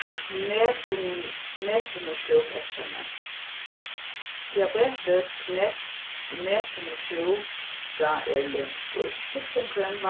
nethinnusjúkueyðkenni diabetisk nethinnusjúka er lúnsk og sjúklingurin